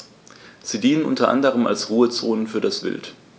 Sie dienen unter anderem als Ruhezonen für das Wild.